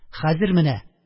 Хәзер менә